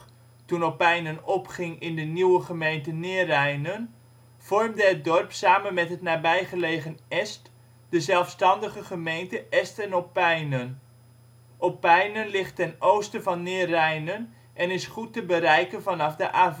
toen Opijnen opging in de nieuwe gemeente Neerijnen, vormde het dorp samen met het nabijgelegen Est de zelfstandige gemeente Est en Opijnen. Opijnen ligt ten oosten van Neerijnen en is goed te bereiken vanaf de A15